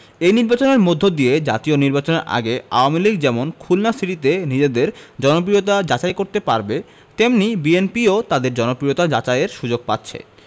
এই নির্বাচনের মধ্য দিয়ে জাতীয় নির্বাচনের আগে আওয়ামী লীগ যেমন খুলনা সিটিতে নিজেদের জনপ্রিয়তা যাচাই করতে পারবে তেমনি বিএনপিও তাদের জনপ্রিয়তা যাচাইয়ের সুযোগ পাচ্ছে